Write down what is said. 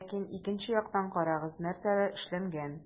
Ләкин икенче яктан - карагыз, нәрсәләр эшләнгән.